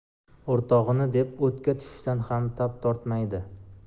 o'rtog'ini deb o'tga tushishdan xam tap tortmaydi